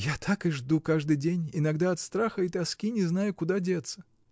Я так и жду каждый день; иногда от страха и тоски не знаю куда деться!